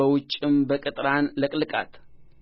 በፊቴ ደርሶአል ከእነርሱ የተነሣ ምድር በግፍ ተሞልታለችና